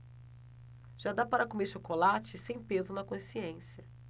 já dá para comer chocolate sem peso na consciência